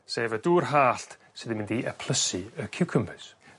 sef y dŵr hallt sydd yn mynd i eplysu y ciwcymbyrs.